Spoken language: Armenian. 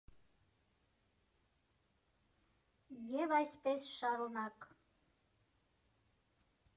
Եվ այսպես շարունակ։